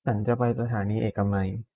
ฉันจะไปสถานีเอกมัย